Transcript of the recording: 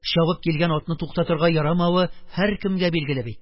Чабып килгән атны туктатырга ярамавы һәркемгә билгеле бит!